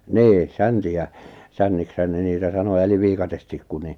niin säntiä sänniksihän ne niitä sanoi eli viikatetikku niin